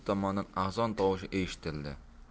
tomondan azon tovushi eshitildi